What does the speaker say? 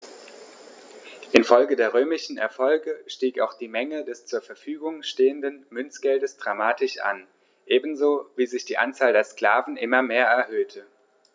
Infolge der römischen Erfolge stieg auch die Menge des zur Verfügung stehenden Münzgeldes dramatisch an, ebenso wie sich die Anzahl der Sklaven immer mehr erhöhte.